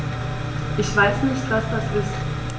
Ich weiß nicht, was das ist.